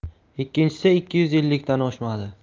ikkinchisi ikki yuz ellikdan oshmadi